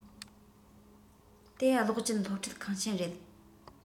དེ གློག ཅན སློབ ཁྲིད ཁང ཆེན རེད